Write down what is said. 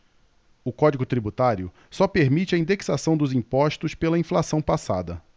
o código tributário só permite a indexação dos impostos pela inflação passada